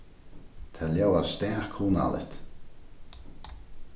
tað ljóðar stak hugnaligt